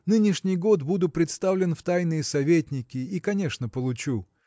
Нынешний год буду представлен в тайные советники и, конечно, получу.